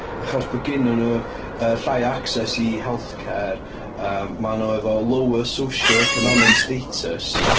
Achos bo' gennyn nhw yy llai o access i healthcare, yym maen nhw efo lower socio-economic status.